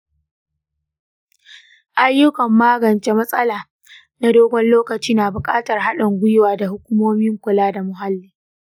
ayyukan magance matsalar na dogon lokaci na bukatar haɗin gwiwa da hukumomin kula da muhalli.